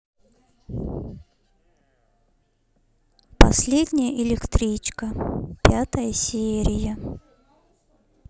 последняя электричка пятая серия